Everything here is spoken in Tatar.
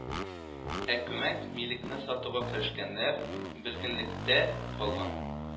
Ә күмәк милекне сатуга керешкәннәр бөлгенлектә калган